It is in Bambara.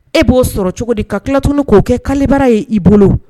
E b'o sɔrɔ cogo di ka tila tuguni k'o kɛ kalebara ye i bolo